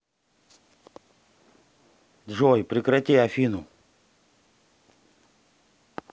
джой прекрати афину